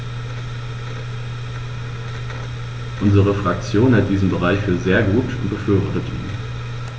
Unsere Fraktion hält diesen Bericht für sehr gut und befürwortet ihn.